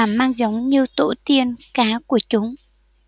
mang giống như tổ tiên cá của chúng